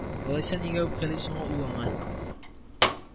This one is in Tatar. Алайса, нигә үпкәли соң ул аңа